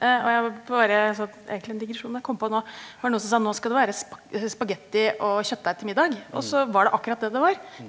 og jeg vil bare også, egentlig en digresjon, men jeg kom på nå, var noen som sa nå skal det være spagetti og kjøttdeig til middag og så var det akkurat det det var.